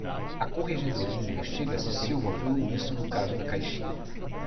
a corregedoria investiga se silva foi omisso no caso da caixinha